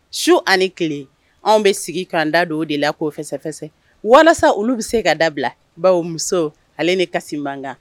Su ani kelen an bɛ sigi k'an da dɔw de la k'o fɛsɛsɛ walasa olu bɛ se ka dabila baw muso ale ni kasi ban